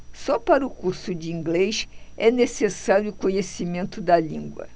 só para o curso de inglês é necessário conhecimento da língua